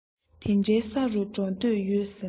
དེ འདྲའི ས རུ འགྲོ འདོད ཡོད ཟེར ན